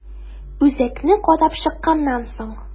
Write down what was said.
Үзәкне карап чыкканнан соң.